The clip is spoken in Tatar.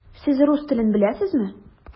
Сез рус телен беләсезме?